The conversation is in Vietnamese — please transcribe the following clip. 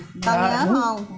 tao nhớ hông